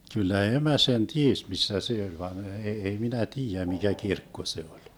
kyllä emä sen tiesi missä se oli vaan - ei minä tiedä mikä kirkko se oli